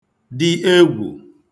dị egwù